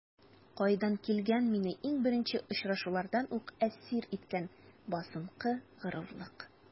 Кайдан килгән мине иң беренче очрашулардан үк әсир иткән басынкы горурлык?